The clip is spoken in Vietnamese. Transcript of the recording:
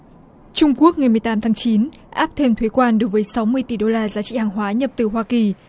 trung quốc ngày mười tám tháng chín áp thêm thuế quan đối với sáu mươi tỷ đô la giá trị hàng hóa nhập từ hoa kỳ